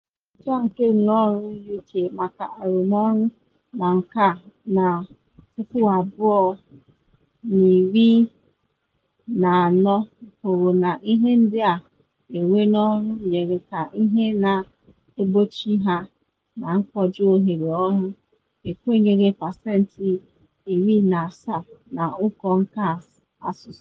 Nyocha nke Ụlọ Ọrụ UK maka Arụmọrụ na Nka na 2014 hụrụ na ihe ndị na ewe n’ọrụ nyere ka ihe na egbochi ha na ikpoju ohere ọrụ, ekenyere pasenti 17 na ụkọ nka asụsụ.